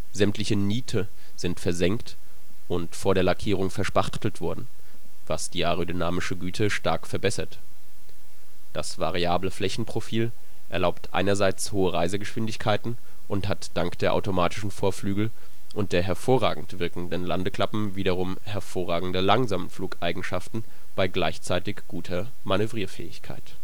Sämtliche Niete sind versenkt und vor der Lackierung verspachtelt worden, was die aerodynamische Güte stark verbessert. Das variable Flächenprofil erlaubt einerseits hohe Reisegeschwindigkeiten und hat dank der automatischen Vorflügel und der hervorragend wirkenden Landeklappen wiederum hervorragende Langsamflugeigenschaften bei gleichzeitig guter Manövrierfähigkeit